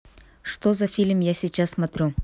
что за фильм я сейчас смотрю